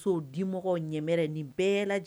Musow dimɔgɔw ɲɛmɛrɛ nin bɛɛ laj